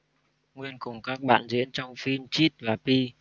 nguyên cùng các bạn diễn trong phim chit và pi